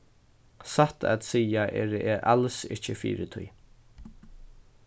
satt at siga eri eg als ikki fyri tí